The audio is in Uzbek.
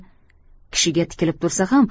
kishiga tikilib tursa ham